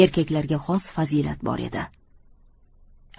erkaklarga xos fazilat bor edi